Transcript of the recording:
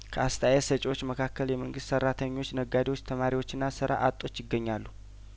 ከአስተያየት ሰጭዎች መካከል የመንግስት ሰራተኞች ነጋዴዎች ተማሪዎችና ስራ አጦች ይገኛሉ